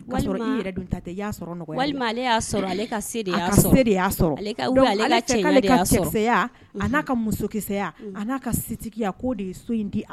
Musotigi